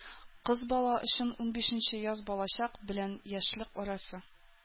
Кыз бала өчен унбишенче яз балачак белән яшьлек арасы.